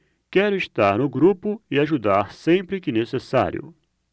quero estar no grupo e ajudar sempre que necessário